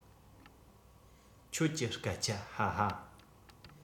ཁྱོད ཀྱི སྐད ཆ ཧ ཧ